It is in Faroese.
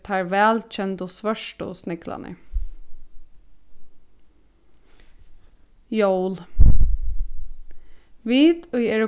teir vælkendu svørtu sniglarnir jól vit ið eru